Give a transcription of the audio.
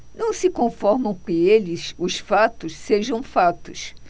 não se conformam que eles os fatos sejam fatos